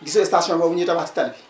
gisoo station boobu ñuy tabax ci tali bi